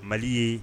Mali ye